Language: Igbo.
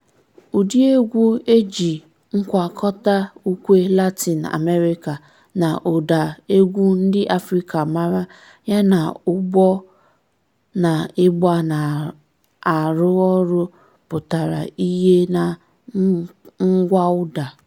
Ụdị egwu e ji ngwakọta ukwe Latin America na ụda egwu ndị Afrịka mara, yana ụbọ na ịgba na-arụ ọrụ pụtara ìhè na ngwaụda.